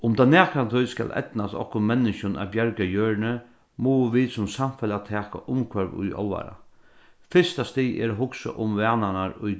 um tað nakrantíð skal eydnast okkum menniskjum at bjarga jørðini mugu vit sum samfelag taka umhvørvið í álvara fyrsta stig er at hugsa um vanarnar í